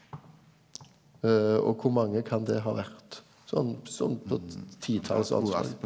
og kor mange kan det ha vore sånn sånn på titalets anslag.